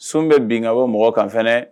Sun bɛ bin ka bɔ mɔgɔ kan fɛnɛ